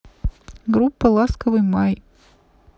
группа ласковый май